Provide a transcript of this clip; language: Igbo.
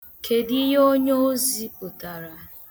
Kedu ihe onyeozi pụtara?